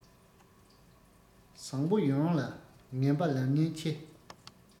བཟང པོ ཡོངས ལ ངན པ ལབ ཉེན ཆེ